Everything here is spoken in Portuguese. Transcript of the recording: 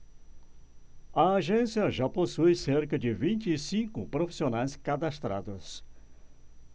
a agência já possui cerca de vinte e cinco profissionais cadastrados